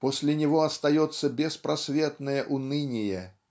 После него остается беспросветное уныние.